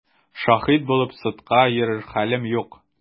Шаһит булып судка йөрер хәлем юк!